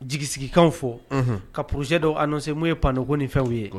Jigisigikan fɔ ka puruzjɛe dɔw a se mun ye panko ni fɛnw ye